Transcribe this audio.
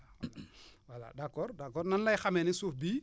voilà d' accord d' accord nan lay xamee ne suuf bi